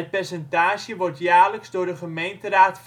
percentage wordt jaarlijks door de gemeenteraad